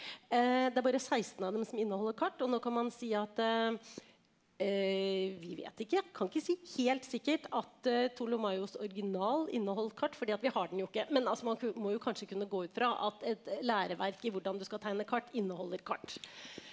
det er bare 16 av dem som inneholder kart og nå kan man si at vi vet ikke kan ikke si helt sikkert at Ptolemaios' original inneholdt kart fordi at vi har den jo ikke men altså man må jo kanskje kunne gå ut fra at et læreverk i hvordan du skal tegne kart inneholder kart.